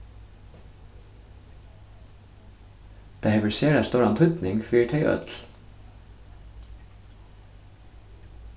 tað hevur sera stóran týdning fyri tey øll